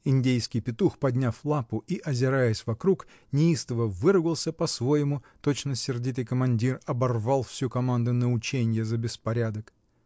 Индейский петух, подняв лапу и озираясь вокруг, неистово выругался по-своему, точно сердитый командир оборвал всю команду на ученье за беспорядок.